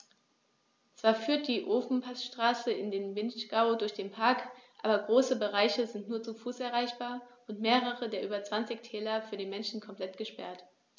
Zwar führt die Ofenpassstraße in den Vinschgau durch den Park, aber große Bereiche sind nur zu Fuß erreichbar und mehrere der über 20 Täler für den Menschen komplett gesperrt.